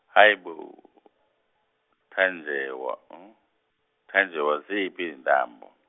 hhayi bo Tanjewa Tajewo ziphi izintambo.